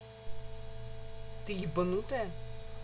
ты ебнутая